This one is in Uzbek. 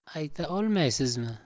ayta olmaysizmi